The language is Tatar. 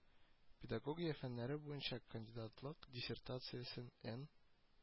Педагогия фәннәре буенча кандидатлык диссертациясен Н